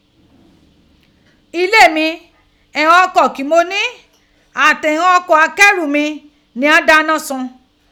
Ilé mi, ighan ọkọ̀ ki mo ni ati ighan ọkọ̀ akẹ́rù mi ni ghan dáná sun.